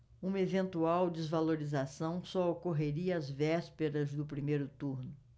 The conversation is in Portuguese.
uma eventual desvalorização só ocorreria às vésperas do primeiro turno